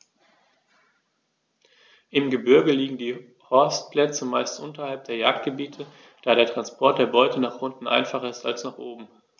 Im Gebirge liegen die Horstplätze meist unterhalb der Jagdgebiete, da der Transport der Beute nach unten einfacher ist als nach oben.